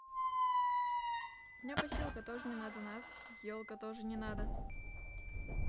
у меня посилка тоже не надо нас елка тоже не надо